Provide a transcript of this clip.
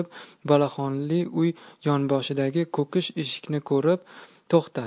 boloxonali uy yonboshidagi ko'kish eshikni ko'rib to'xtadi